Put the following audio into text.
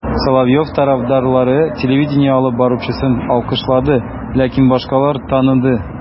Соловьев тарафдарлары телевидение алып баручысын алкышлады, ләкин башкалар таныды: